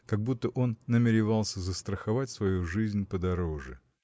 как будто он намеревался застраховать свою жизнь подороже.